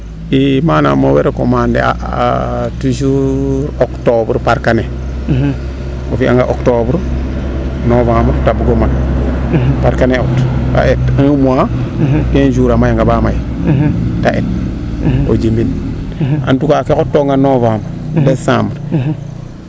i manaam o waro commande a toujours octobre parc ne o fiya nga octobre novembre te bugo mat parc Aout a un mois quinze jours a maya nga baa may te eet o jimin en tout cas ke xot toona novembre decembre